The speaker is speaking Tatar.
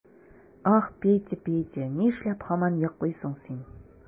Ах, Петя, Петя, нишләп һаман йоклыйсың син?